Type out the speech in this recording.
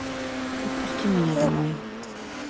отпусти меня домой